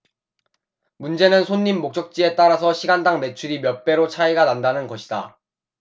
문제는 손님 목적지에 따라서 시간당 매출이 몇 배로 차이가 난다는 것이다